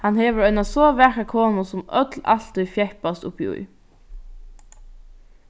hann hevur eina so vakra konu sum øll altíð fjeppast uppií